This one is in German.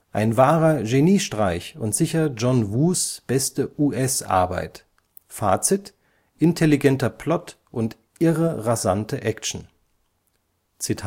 Ein wahrer Geniestreich und sicher John Woos (" Red Cliff ") beste US-Arbeit. Fazit: Intelligenter Plot und irre rasante Action “–